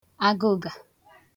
agụ̀ga